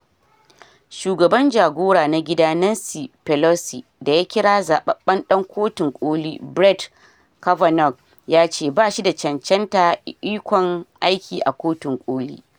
Shugaban Jagora na gida Nancy Pelosi da ya kira zababben dan Kotun Koli Brett Kavanaugh, ya ce "ba shi da cancanta ikon yin aiki a Kotun Koli.